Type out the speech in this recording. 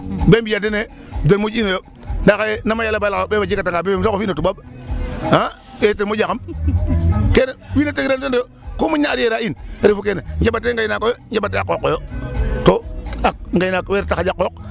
Boo i mbi'aa dene den moƴu inoyo ndaa xaye nama yala baal xaye o ɓeef a jegatanga BFEEM sax o fi'in o Toubab ee ten moƴaxam kene wiin we tegiran senoyo ku moƴna arriere a in refu kene njaɓatee ngaynaak oyo, njaɓatee a qooq oyo to ngaynaak we reta xaƴa qooq .